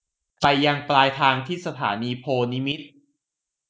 ไปยังปลายทางที่สถานีโพธิ์นิมิตร